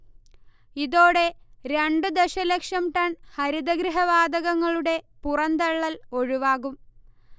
ഇതോടെ രണ്ടു ദശലക്ഷം ടൺ ഹരിതഗൃഹ വാതകങ്ങളുടെ പുറന്തള്ളൽ ഒഴിവാകും